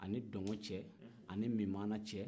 ani dɔngɔ cɛ ani minmana cɛ